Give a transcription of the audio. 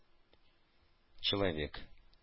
Человек